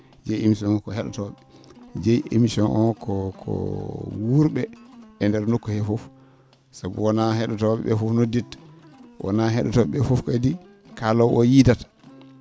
eeyi émission oo ko he?otoo?e njeyi émission oo ko ko wuur?e e ndeer nokku hee fof sabu woona he?otoo?e ?ee fof nodditta wonaa he?otoo?e ?ee fof kadi kaaloowo oo yiidata